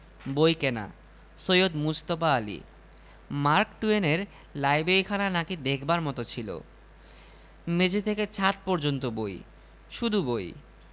আজ তোমাকে দেখাইলাম তাতেই এত কাণ্ড আর বাকী সাত কলা দেখাইলে কি যে হইত বুঝিতেই পার রহিম বলিল দোহাই তোমার আর সাত কলার ভয় দেখাইও না